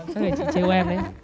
chắc là chị trêu em đấy